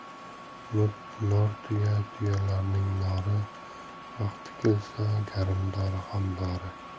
nortuya tuyalarning nori vaqti kelsa garmdori ham dori